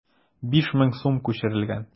5000 сум күчерелгән.